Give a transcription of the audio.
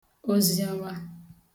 oziọma